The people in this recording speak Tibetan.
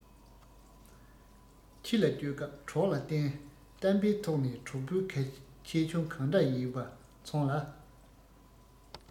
ཕྱི ལ སྐྱོད སྐབས གྲོགས ལ བརྟེན གཏམ དཔེའི ཐོག ནས གྲོགས པོའི གལ ཆེ ཆུང གང འདྲ ཡོད པ མཚོན ལ